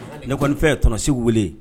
Ne kɔniin fɛn ye tsi wele